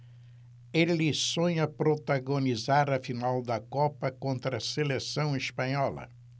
ele sonha protagonizar a final da copa contra a seleção espanhola